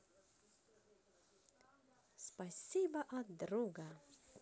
спасибо от друга